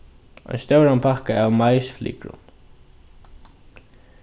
ein stóran pakka av maisflykrum